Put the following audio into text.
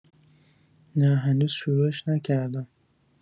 نه هنوز شروعش نکردم